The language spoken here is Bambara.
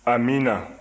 amiina